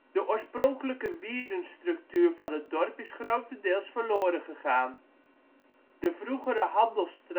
De oorspronkelijke wierdenstructuur van het dorp is grotendeels verloren gegaan. De vroegere handelsstraten Schipsloot en Lagestraat